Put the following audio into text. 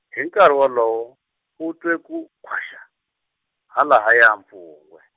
hi nkarhi wolowo, u twe ku khwaxa, halahaya mpfungwe.